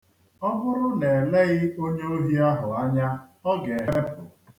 Ọ bụrụ na eleghị onye ohi ahụ anya, ọ ga-ehepụ.